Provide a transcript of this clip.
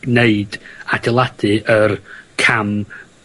neud, adeiladu yr cam